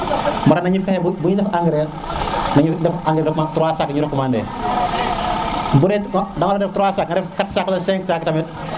baax ñu fexe ba buñuy def engrais rek na ñu def engrais 3 sacs yiñu recomender bude da nga def 3 sacs nga def 4 sacs tamit